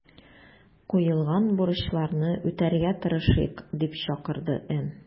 Куелган бурычларны үтәргә тырышыйк”, - дип чакырды Н.